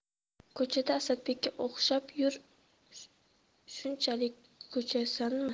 ko'chada asadbekka o'xshab yur shunchalik cho'kasanmi